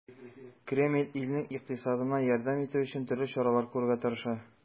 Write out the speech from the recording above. Кремль илнең икътисадына ярдәм итү өчен төрле чаралар күрергә тырыша.